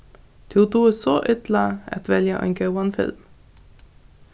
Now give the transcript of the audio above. tú dugir so illa at velja ein góðan film